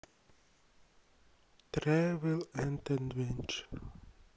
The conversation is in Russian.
тревел энд адвенчер